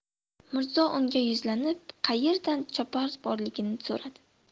mirzo unga yuzlanib qaerdan chopar borligini so'radi